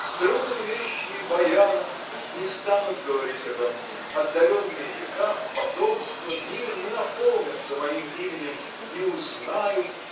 струны вещие баянов не станут говорить обо мне отдаленные века потомство мир не наполнятся моим именем не узнают